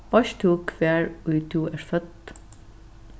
veitst tú hvar ið tú ert fødd